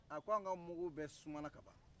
a ko an ka mungu bɛɛ sumana kaban